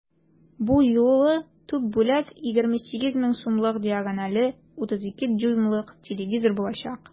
Бу юлы төп бүләк 28 мең сумлык диагонале 32 дюймлык телевизор булачак.